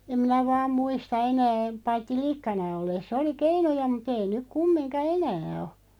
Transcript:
en minä vain muista enää paitsi likkana ollessa oli keinuja mutta ei nyt kumminkaan enää ole